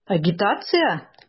Агитация?!